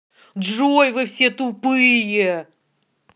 джой вы все тупые